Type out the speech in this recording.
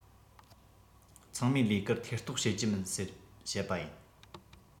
ཚང མའི ལས ཀར ཐེ གཏོགས བྱེད ཀྱི མིན ཟེར བཤད པ ཡིན